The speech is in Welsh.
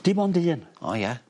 Dim ond un. O ia.